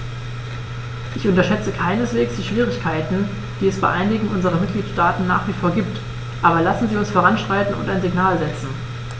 Ich unterschätze keineswegs die Schwierigkeiten, die es bei einigen unserer Mitgliedstaaten nach wie vor gibt, aber lassen Sie uns voranschreiten und ein Signal setzen.